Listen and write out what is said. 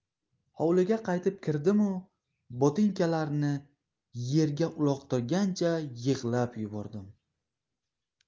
hovliga qaytib kirdimu botinkalarni yerga uloqtirgancha yig'lab yubordim